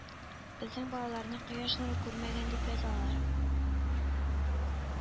Безнең балаларны кояш нуры күрмәгән дип язалар